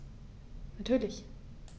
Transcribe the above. Natürlich.